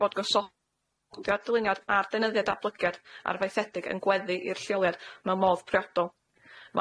bod gysoddiad dyluniad a'r deunyddia daplygiad arfaethedig yn gweddu i'r lleoliad mewn modd priodol.